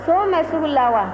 nson bɛ sugu la wa